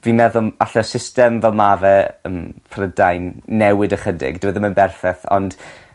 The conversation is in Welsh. Fi'n meddwl alle system fel ma' fe ym Prydain newid ychydig dyw e ddim yn berffeth ond